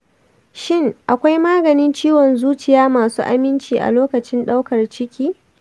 shin, akwai maganin ciwon zuciya masu aminci a lokacin daukar ciki?